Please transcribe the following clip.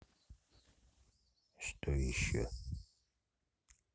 что еще